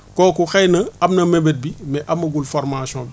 kooku xëy na am na mébét bi mais amagul formation bi